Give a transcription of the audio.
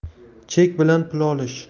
chek bilan pul olish